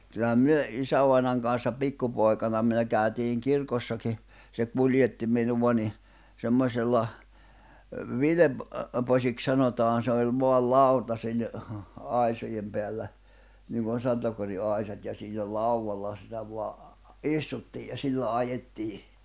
kyllä me isävainajan kanssa pikkupoikana me käytiin kirkossakin se kuljetti minua niin semmoisella - vilposiksi sanotaan se oli vain lauta - aisojen päällä niin kuin sontakotin aisat ja siinä laudalla sitä vain istuttiin ja sillä ajettiin